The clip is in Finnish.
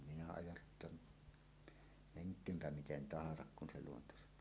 minä ajattelin menköönpä miten tahansa kun se luonto sanoo